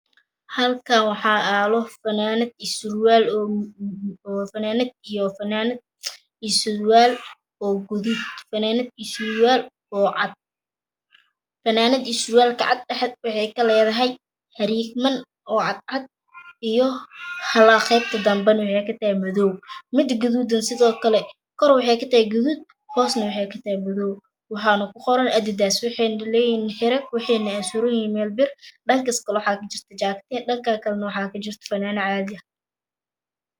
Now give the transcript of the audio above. Halkan waa yalo fananad iyo sanwal kalar kode waa gadud iyo cadan madow waxena surayin bar